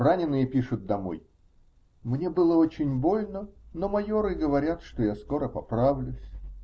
Раненые пишут домой: "Мне было очень больно, но майоры говорят, что я скоро поправлюсь".